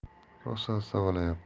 rosa savalayapti